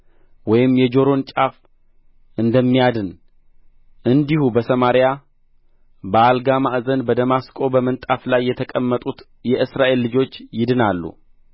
ወይም የጆሮን ጫፍ እንደሚያድን እንዲሁ በሰማርያ በአልጋ ማዕዘን በደማስቆም በምንጣፍ ላይ የተቀመጡት የእስራኤል ልጆች ይድናሉ